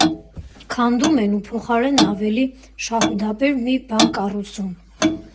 Քանդում են ու փոխարենն ավելի շահութաբեր մի բան կառուցում։